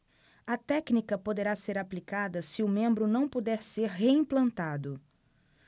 a técnica poderá ser aplicada se o membro não puder ser reimplantado